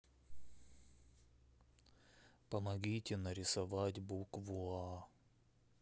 помогите нарисовать букву а